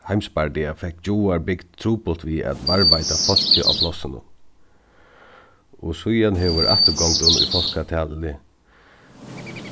heimsbardaga fekk gjáar bygd trupult við at varðveita fólkið á plássinum og síðan hevur afturgongdin í fólkatali